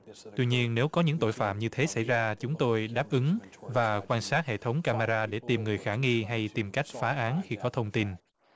tuy nhiên nếu có những tội phạm như thế xảy ra chúng tôi đáp ứng và quan sát hệ thống ca me ra để tìm người khả nghi hay tìm cách phá án khi có thông tin